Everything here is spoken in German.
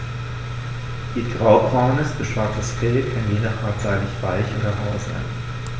Ihr graubraunes bis schwarzes Fell kann je nach Art seidig-weich oder rau sein.